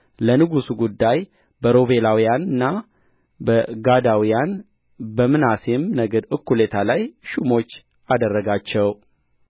ለንጉሡ ጉዳይ በሮቤላውያንና በጋዳውያን በምናሴም ነገድ እኵሌታ ላይ ሹሞች አደረጋቸው